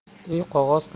u qog'oz qalam